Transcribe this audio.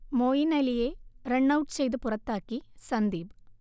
മോയിൻ അലിയെ റണ്ണൌട്ട് ചെയ്ത് പുറത്താക്കി സന്ദീപ്